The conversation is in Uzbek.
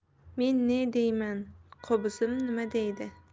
men ne deyman qo'bizim nima deydi